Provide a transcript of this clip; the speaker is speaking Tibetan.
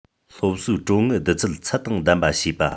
སློབ གསོའི གྲོན དངུལ བསྡུ ཚུལ ཚད དང ལྡན པ བྱེད པ